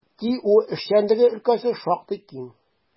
ТИҮ эшчәнлеге өлкәсе шактый киң.